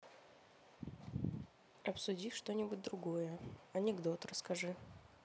обсуди что нибудь другое анекдот расскажи